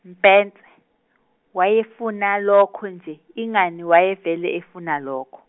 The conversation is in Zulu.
Mbhense, wayefuna lokho nje, ingani wayevele efuna lokho.